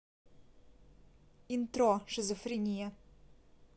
intro шизофрения